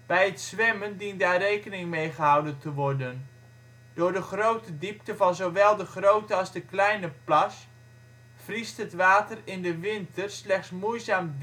het zwemmen dient daar rekening mee gehouden te worden. Door de grote diepte van zowel de grote als de kleine plas vriest het water in de winter slechts moeizaam